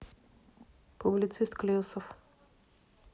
публицист клесов